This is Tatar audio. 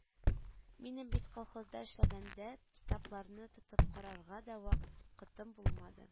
Минем бит колхозда эшләгәндә китапларны тотып карарга да вакытым булмады,